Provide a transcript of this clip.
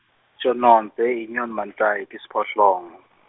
Tjonondze yinyoni Mantayi Tisiphohlongo.